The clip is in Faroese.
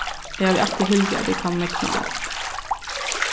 eg havi altíð hildið at eg kann megna alt